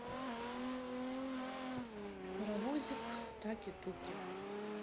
паровозик таки туки